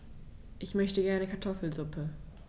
Ich möchte gerne Kartoffelsuppe.